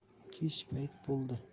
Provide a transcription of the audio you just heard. kech payt bo'ldi